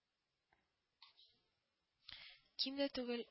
Ким дә түгел